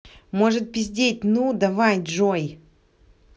может пиздеть ну давай джой